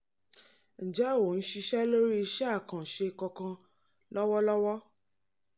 Ǹjẹ́ ò ń ṣiṣẹ́ lórí iṣẹ́ àkànṣe kankan lọ́wọ́lọ́wọ́?